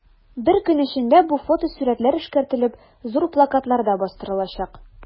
Бер көн эчендә бу фотосурәтләр эшкәртелеп, зур плакатларда бастырылачак.